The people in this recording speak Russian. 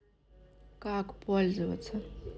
как пользоваться